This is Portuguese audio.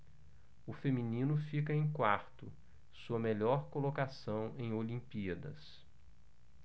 o feminino fica em quarto sua melhor colocação em olimpíadas